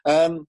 Yym.